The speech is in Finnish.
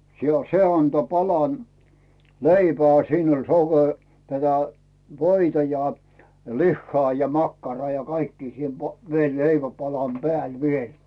- se antoi palan leipää siinä oli - tätä voita ja lihaa ja makkaraa ja kaikkia siinä - vielä leivänpalan päällä vielä